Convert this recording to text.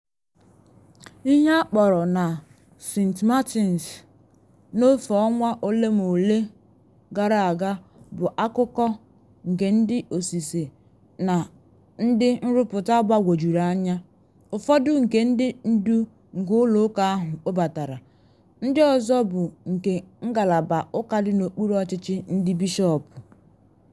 Ihe akpọrọ na St. Martin n’ofe ọnwa ole ma ole gara aga bụ akụkọ nke ndị ọsịse na ndị nrụpụta gbagwojuru anya, ụfọdụ nke ndị ndu nke ụlọ ụka ahụ webatara, ndị ọzọ bụ nke ngalaba ụka dị n’okpuru ọchịchị ndị Bishọpụ.